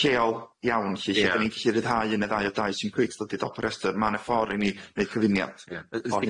lleol iawn lly lle dan ni'n gallu ryddhau un neu ddau o dau sy'n cweit dod i dop yr restyr ma' na ffor i ni neud cyfuniad o hynna.